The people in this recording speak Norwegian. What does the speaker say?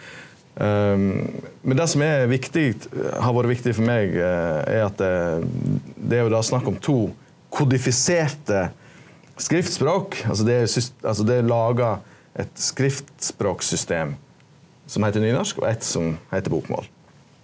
men det som er viktig har vore viktig for meg er at det er jo då snakk om to kodifiserte skriftspråk altso det er altso det er laga eit skriftsspråksystem som heiter nynorsk og eit som heiter bokmål.